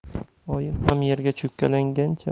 oyim ham yerga cho'kkalagancha